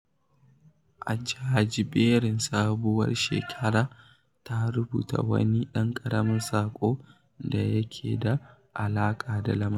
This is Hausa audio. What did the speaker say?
A jajiberin sabuwar shekara, ta rubuta wani ɗan ƙaramin saƙo da yake da alaƙa da lamarin.